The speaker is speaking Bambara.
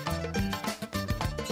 Sanunɛ